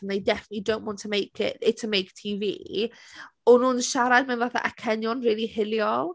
and they definitely don't want to make it... it to make TV o'n nhw'n siarad mewn fatha acenion rili hiliol.